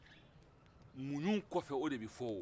muɲu kɔfɛ o de bɛ fɔ o